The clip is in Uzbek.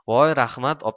voy rahmat